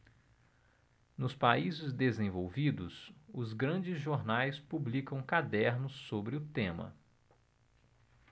nos países desenvolvidos os grandes jornais publicam cadernos sobre o tema